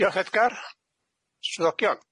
Diolch Edgar.